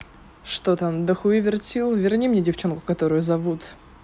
что там до хуевертил верни мне девчонку которую зовут